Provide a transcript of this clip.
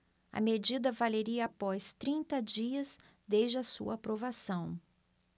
a medida valeria após trinta dias desde a sua aprovação